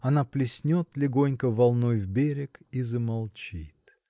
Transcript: она плеснет легонько волной в берег и замолчит.